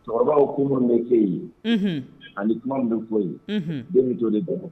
Cɛkɔrɔbaw ko min ke ye ani kuma min fɔ ye den bɛ to de bɔ